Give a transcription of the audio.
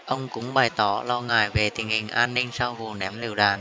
ông cũng bày tỏ lo ngại về tình hình an ninh sau vụ ném lựu đạn